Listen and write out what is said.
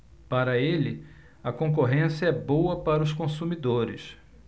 para ele a concorrência é boa para os consumidores